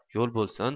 yo'l bo'lsin